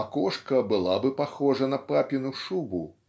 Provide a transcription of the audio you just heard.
а кошка была бы похожа на папину шубу